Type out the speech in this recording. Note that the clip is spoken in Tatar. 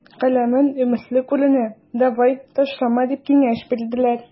Каләмең өметле күренә, давай, ташлама, дип киңәш бирәләр.